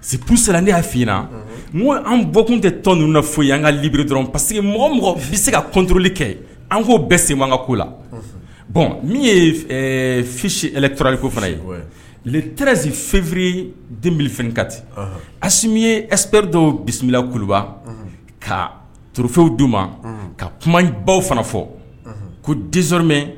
si siran y'a f mɔgɔ an bɔkun tɛ tɔn ninnu fɔ ye an ka biri dɔrɔn pa que mɔgɔ mɔgɔ se katoli kɛ an k'o bɛɛ senka ko la bɔn min ye fisitliko fana ye letzfeftiri denbf ka ten a ye espri dɔw bisimila kuluba ka trofɛnw du ma ka kuma baw fana fɔ ko denmɛ